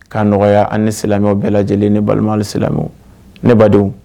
K'a nɔgɔya ani ni bɛɛ lajɛlen ne balima ni silamɛ ne badenw